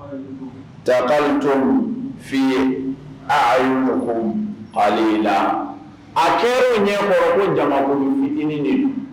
Ta to fi ye a kɛra o ɲɛ mɔgɔ ko jama i ni de